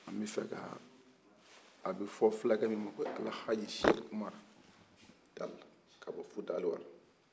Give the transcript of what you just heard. an bi fɛ ka a bi fɔ filakɛ min ko alihaji sɛkuramuru tal